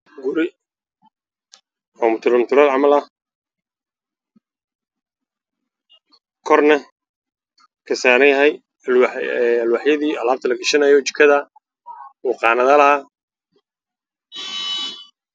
Waa guri qaanada leh cadays ah midabkiis